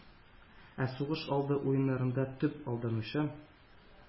Ә сугыш алды уеннарында төп алданучы,